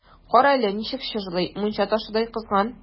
Кара әле, ничек чыжлый, мунча ташыдай кызган!